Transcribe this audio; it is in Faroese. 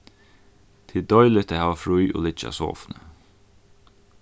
tað er deiligt at hava frí og liggja á sofuni